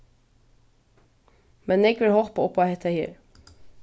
men nógv eru hoppað upp á hetta her